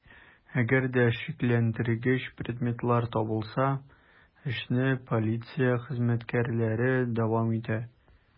Әгәр дә шикләндергеч предметлар табылса, эшне полиция хезмәткәрләре дәвам итә.